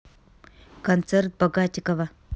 концерт богатикова